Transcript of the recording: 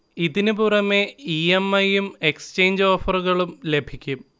ഇതിന് പുറമെ E. M. I. യും എക്സചേഞ്ച് ഓഫറുകളും ലഭിക്കും